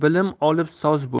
bilim olib soz bo'l